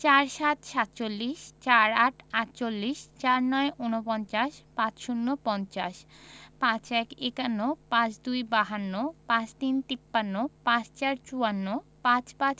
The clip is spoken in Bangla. ৪৭ - সাতচল্লিশ ৪৮ -আটচল্লিশ ৪৯ – উনপঞ্চাশ ৫০ - পঞ্চাশ ৫১ – একান্ন ৫২ - বাহান্ন ৫৩ - তিপ্পান্ন ৫৪ - চুয়ান্ন ৫৫